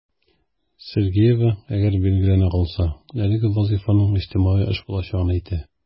Сергеева, әгәр билгеләнә калса, әлеге вазыйфаның иҗтимагый эш булачагын әйтә.